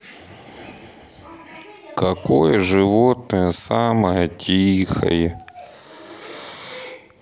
какое животное самое тихое